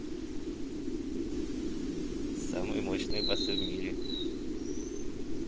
самые мощные басы в мире